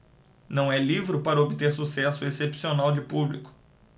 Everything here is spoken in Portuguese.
não é livro para obter sucesso excepcional de público